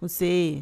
Nse